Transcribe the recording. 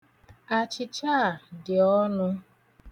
Achịcha a dị ọnụ.